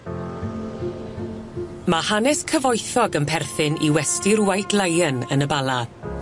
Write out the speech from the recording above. Ma' hanes cyfoethog yn perthyn i westy'r White Lion yn y Bala.